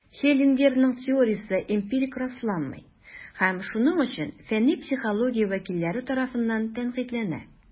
Хеллингерның теориясе эмпирик расланмый, һәм шуның өчен фәнни психология вәкилләре тарафыннан тәнкыйтьләнә.